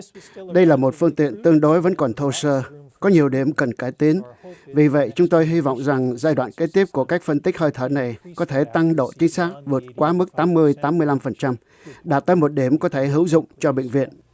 đây là một phương tiện tương đối vẫn còn thô sơ có nhiều điểm cần cải tiến vì vậy chúng tôi hy vọng rằng giai đoạn kế tiếp của cách phân tích hơi thở này có thể tăng độ chính xác vượt quá mức tám mươi tám mươi lăm phần trăm đạt tới một điểm có thể hữu dụng cho bệnh viện